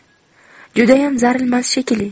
judayam zarilmas shekilli